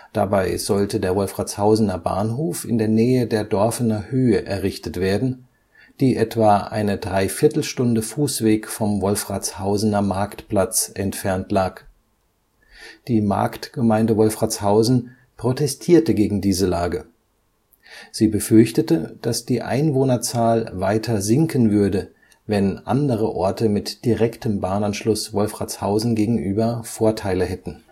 Dabei sollte der Wolfratshausener Bahnhof in der Nähe der Dorfener Höhe errichtet werden, die etwa eine Dreiviertelstunde Fußweg vom Wolfratshausener Marktplatz entfernt lag. Die Marktgemeinde Wolfratshausen protestierte gegen diese Lage. Sie befürchtete, dass die Einwohnerzahl weiter sinken würde, wenn andere Orte mit direktem Bahnanschluss Wolfratshausen gegenüber Vorteile hätten